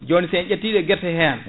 joni se en ƴetti e guerte he hen